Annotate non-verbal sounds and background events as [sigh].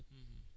[hesitation] [hesitation]